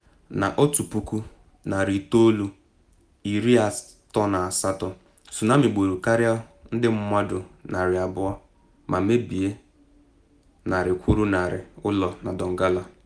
Na 1938, tsunami gburu karịa ndị mmadụ 200 ma mebie narị kwụrụ narị ụlọ na Donggala.